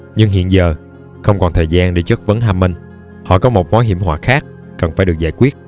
nhưng hiện giờ không còn thời gian để chất vấn hammond họ có một mối hiểm họa khác cần phải được giải quyết